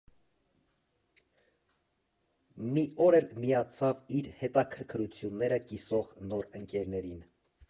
Մի օր էլ միացավ իր հետաքրքրությունները կիսող նոր ընկերներին։